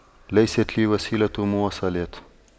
ليست لي وسيلة مواصلات